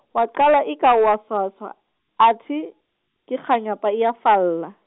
wa qala eka o a swaswa, athe, ke kganyapa e a falla.